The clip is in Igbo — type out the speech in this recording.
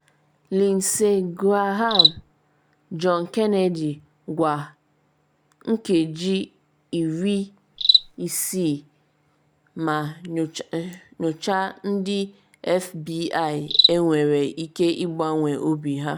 Lindsey Graham, John Kennedy gwa “60 minutes” ma nyocha ndị FBI enwere ike ịgbanwe obi ha